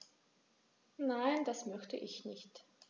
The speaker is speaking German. Nein, das möchte ich nicht.